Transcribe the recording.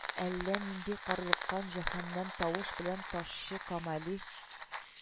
Әллә нинди карлыккан җәһәннәм тавыш белән ташчы Камали: